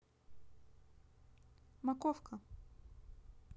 маковка